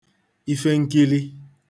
ife nkili